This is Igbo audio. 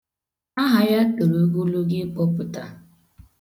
Aha ya toro ogologo ịkpọputa.